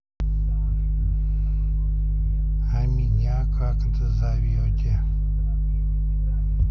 а меня как назовете